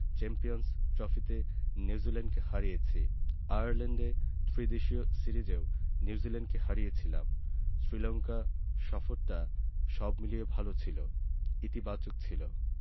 champions ট্রফিতে নিউজিল্যান্ডকে হারিয়েছি আয়ারল্যান্ডে ত্রিদেশীয় সিরিজেও নিউজিল্যান্ডকে হারিয়েছিলাম শ্রীলঙ্কা সফরটা সব মিলিয়ে ভালো ছিল ইতিবাচক ছিল